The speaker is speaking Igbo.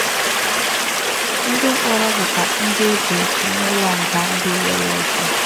Ndị mkpọrọ bụkwa ndị ejieji n'ụlọnga ndị uwe ojii.